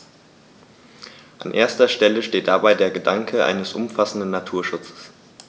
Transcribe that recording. An erster Stelle steht dabei der Gedanke eines umfassenden Naturschutzes.